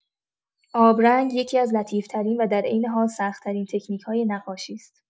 آبرنگ یکی‌از لطیف‌ترین و در عین حال سخت‌ترین تکنیک‌های نقاشی است.